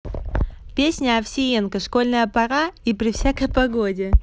песня овсиенко школьная пора и при всякой погоде